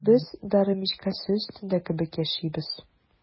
Без дары мичкәсе өстендә кебек яшибез.